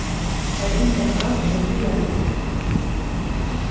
teir innsettu eru friðarligir